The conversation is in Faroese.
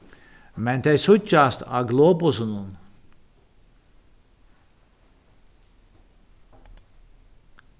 men tey síggjast á globusunum